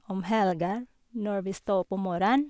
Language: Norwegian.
Om helgen, når vi står opp om morgenen...